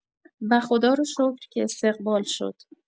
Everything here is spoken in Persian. و خدا رو شکر که استقبال شد.